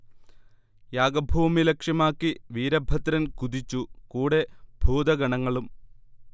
യാഗഭൂമി ലക്ഷ്യമാക്കി വീരഭദ്രൻ കുതിച്ചു കൂടെ ഭൂതഗണങ്ങളും